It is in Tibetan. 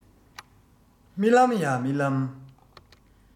རྨི ལམ ཡ རྨི ལམ